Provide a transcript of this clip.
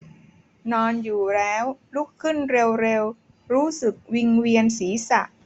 นอนอยู่แล้วลุกขึ้นเร็วเร็วรู้สึกวิงเวียนศีรษะ